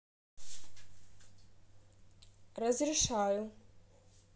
разрешаю